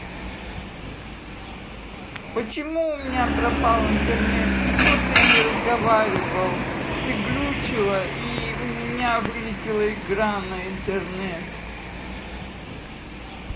почему у меня пропал интернет что ты не разговаривала ты глючило и у меня вылетела игра на интернет